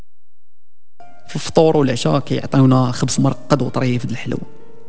افطار العشاك اعطينا خمس مرات في الحلم